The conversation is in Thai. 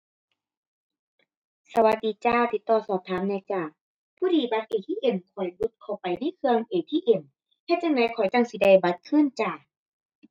สวัสดีจ้า ติดต่อสอบถามแหน่จ้า พอดีบัตร ATM ข้อยหลุดเข้าไปในเครื่อง ATM เฮ็ดจั่งใดข้อยจั่งสิได้บัตรคืนจ้า